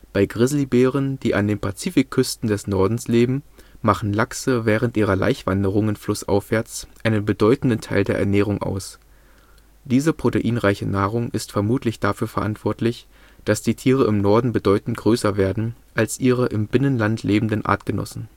Bei Grizzlybären, die an den Pazifikküsten des Nordens leben, machen Lachse während ihrer Laichwanderungen flussaufwärts einen bedeutenden Teil der Ernährung aus. Diese proteinreiche Nahrung ist vermutlich dafür verantwortlich, dass die Tiere im Norden bedeutend größer werden als ihre im Binnenland lebenden Artgenossen